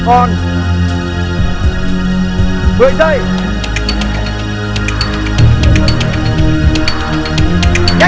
còn mười giây nhanh